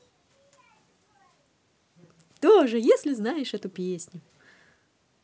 тоже если знаешь эту песню